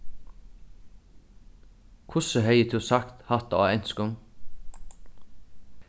hvussu hevði tú sagt hatta á enskum